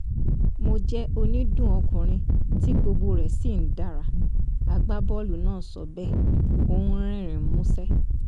Mo jẹ́ onídùn ọkùnrin tí gbogbo rẹ̀ sì dára, " agbábọ̀ọ̀lù náa sọ bẹ́ẹ̀, ó ń rẹ́rín múṣẹ́.